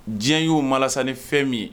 Diɲɛ y' oo ma ni fɛn min ye